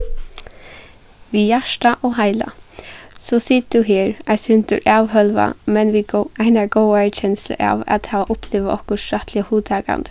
við hjarta og heila so situr tú her eitt sindur avhølvað men við einari góðari kenslu av at hava upplivað okkurt rættiliga hugtakandi